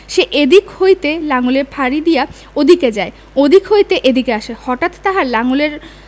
সে এদিক হইতে লাঙলের ফাড়ি দিয়া ওদিকে যায় ওদিক হইতে এদিকে আসে হঠাৎ তাহার লাঙলের